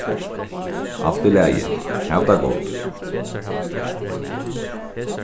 alt í lagi hav tað gott